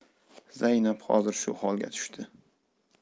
zaynab hozir shu holga tushdi